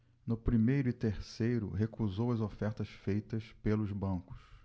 no primeiro e terceiro recusou as ofertas feitas pelos bancos